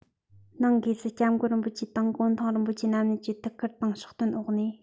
ནང སྒོས སུ སྐྱབས མགོན རིན པོ ཆེ དང གུང ཐང རིན པོ ཆེན རྣམ པ གཉིས ཀྱི ཐུགས ཁུར དང ཕྱག སྟོན འོག ནས